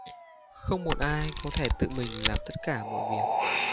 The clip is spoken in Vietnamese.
không một ai có thể tự mình làm tất cả mọi việc